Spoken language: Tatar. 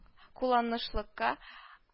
Куланышлыкка